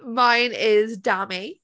Mine is Dami.